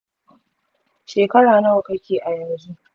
shekara nawa kake a yanzu?